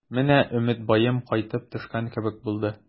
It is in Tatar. Менә Өметбаем кайтып төшкән кебек булды.